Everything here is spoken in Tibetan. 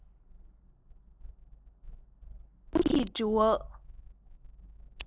རང བྱུང གི འདྲི བ